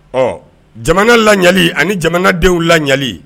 Ɔ jamana lali ani jamana denw lali